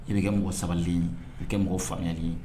I bɛ kɛ mɔgɔ sabali ye i kɛ mɔgɔ faamuyayali ye